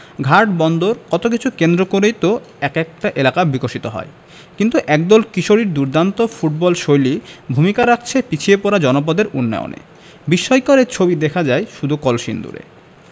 ঘাট বন্দর কত কিছু কেন্দ্র করেই তো এক একটা এলাকা বিকশিত হয় কিন্তু একদল কিশোরীর দুর্দান্ত ফুটবলশৈলী ভূমিকা রাখছে পিছিয়ে পড়া জনপদের উন্নয়নে বিস্ময়কর এই ছবি দেখা যায় শুধু কলসিন্দুরে